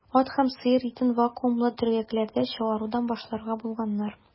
Ат һәм сыер итен вакуумлы төргәкләрдә чыгарудан башларга булганнар.